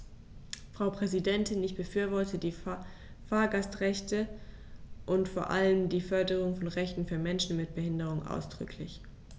Frau Präsidentin, ich befürworte die Fahrgastrechte und vor allem die Förderung von Rechten für Menschen mit Behinderung ausdrücklich.